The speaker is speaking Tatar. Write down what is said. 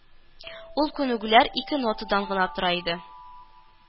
Ул күнегүләр ике нотадан гына тора иде